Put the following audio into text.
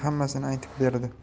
hammasini aytib berdi